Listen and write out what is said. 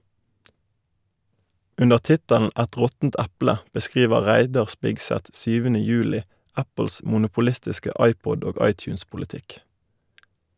Under tittelen "Et råttent eple" beskriver Reidar Spigseth 7. juli Apples monopolistiske iPod- og iTunes-politikk.